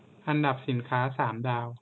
อันดับสินค้าสามดาว